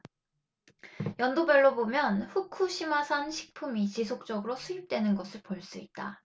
연도별로 보면 후쿠시마산 식품이 지속적으로 수입되는 것을 볼 수 있다